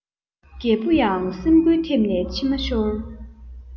རྒྱལ པོའང སེམས འགུལ ཐེབས ནས མཆི མ ཤོར